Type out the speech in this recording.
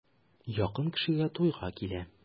Якын кешегә туйга килә.